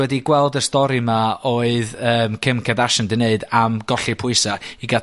wedi gweld y stori 'ma oedd yym Kim Kardashian 'di neud am golli pwysa, i ga'l